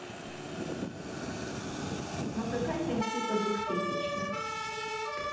музыкальные клипы двухтысячных